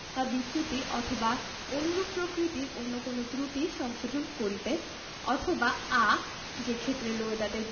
বা বিচ্যুতি অথবা অনুরূপ প্রকৃতির অন্য কোন ত্রুটি সংশোধন করিতে অথবা আ যেক্ষেত্রে রোয়েদাদের